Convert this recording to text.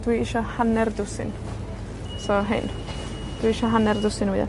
dwi isho hanner dwsin, so rhein. Dwi isho hanner dwsin o wya.